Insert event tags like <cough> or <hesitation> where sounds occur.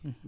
<hesitation> <hesitation>